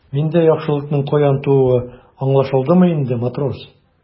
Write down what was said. Миндә яхшылыкның каян тууы аңлашылдымы инде, матрос?